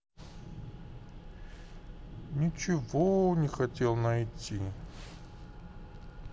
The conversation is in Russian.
ничего не хотел найти